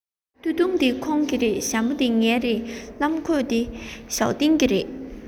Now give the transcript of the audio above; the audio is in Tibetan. སྟོད ཐུང འདི ཁོང གི རེད ཞྭ མོ འདི ངའི རེད ལྷམ གོག འདི ཞའོ ཏིང གི རེད ཆུ ཚོད འདི ཁོའི རེད